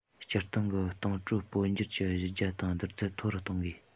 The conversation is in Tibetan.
སྤྱིར བཏང གི གཏོང སྤྲོད སྤོ སྒྱུར གྱི གཞི རྒྱ དང བསྡུར ཚད མཐོ རུ གཏོང དགོས